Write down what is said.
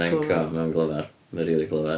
Ren... cŵl. ...co, mae o'n glyfar. Mae'n rili glyfar.